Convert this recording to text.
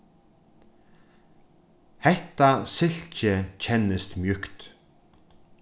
hetta silkið kennist mjúkt